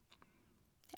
Ja.